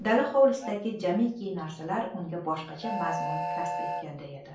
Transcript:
dala hovlisidagi jamiki narsalar unga boshqacha mazmun kasb etganday tuyuldi